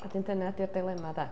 A wedyn dyna ydy'r dilemma de.